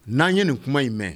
N'an ye nin kuma in mɛn